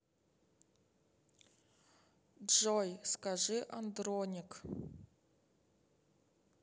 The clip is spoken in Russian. джой скажи андроник